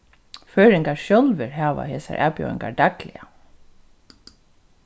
føroyingar sjálvir hava hesar avbjóðingar dagliga